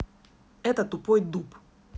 это тупой дуб